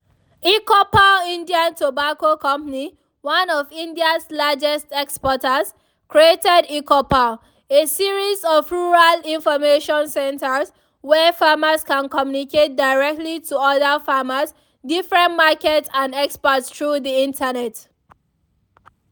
eChoupal Indian Tobacco Company, one of India’s largest exporters, created eChoupal, a series of rural information centers where farmers can communicate directly to other farmers, different markets and experts through the internet.